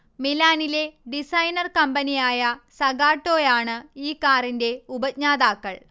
മിലാനിലെ designer കമ്പനിയായ സഗാട്ടോയാണ് ഈ കാറിന്റെ ഉപജ്ഞാതാക്കൾ